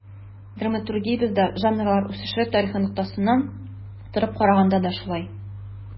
Драматургиябездә жанрлар үсеше тарихы ноктасынан торып караганда да шулай.